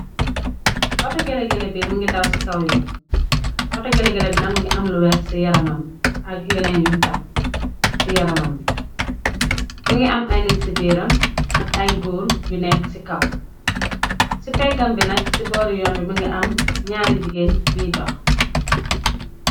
Auto géle gélé mougui daw ci kaw yon auto gele gele binak mi ngi am lu weex ci yaramam bi ak yeneen yun tab ci yaramam bi mi ngi am ay nit ci biiram ak ay gur yu nekk ci kaw ci peggam bi nag ci boori yoon yi mi ngi am ñaari jigéen ngiy dox.